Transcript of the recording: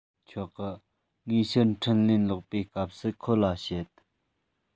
ཆོག གི ངས ཕྱིར འཕྲིན ལན ལོག པའི སྐབས སུ ཁོ ལ བཤད